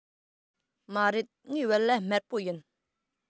མ རེད ངའི བལ ལྭ དམར པོ ཡིན